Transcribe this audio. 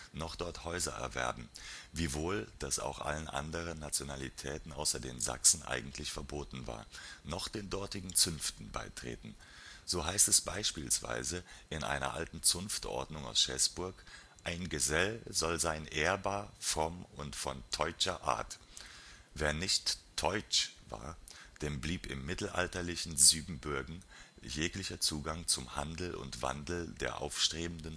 noch dort Häuser erwerben (wiewohl das auch allen anderen Nationalitäten außer den Sachsen eigentlich verboten war) noch den dortigen Zünften beitreten. So heißt es beispielsweise in einer alten Zunftordnung aus Schäßburg: „ eyn gesell soll seyn ehrbar, fromm vnd von teutscher art “. Wer nicht „ teutsch “war, dem blieb im mittelalterlichen Sybenbuergen jeglicher Zugang zum Handel und Wandel der aufstrebenden